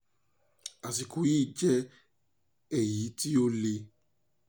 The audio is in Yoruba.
Àsìkò yìí jẹ́ èyí tí ó le.